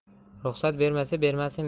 ruxsat bermasa bermasin